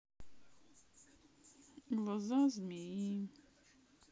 глаза змеи